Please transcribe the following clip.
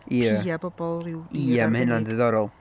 Ia... Piau bobl, rhyw biau... Ia, mae hynna'n diddorol.